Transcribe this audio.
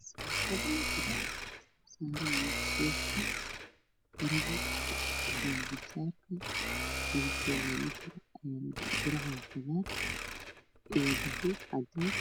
Waa meel dukaan oo loo gadaa diraacayo garabsaarka dhinacyada lagu gudo kala koodu waa madoobe cadaan